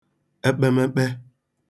ekpemekpe